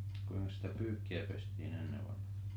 kuinkas sitä pyykkiä pestiin ennen vanhaan